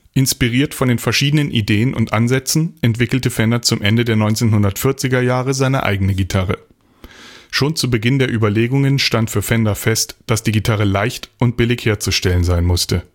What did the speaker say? Inspiriert von den verschiedenen Ideen und Ansätzen entwickelte Fender zum Ende der 1940er Jahre seine eigene Gitarre. Schon zu Beginn der Überlegungen stand für Fender fest, dass die Gitarre leicht und billig herzustellen sein musste